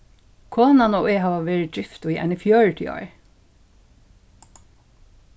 konan og eg hava verið gift í eini fjøruti ár